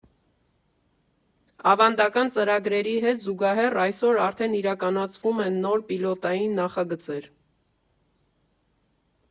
Ավանդական ծրագրերի հետ զուգահեռ այսօր արդեն իրականացվում են նոր պիլոտային նախագծեր։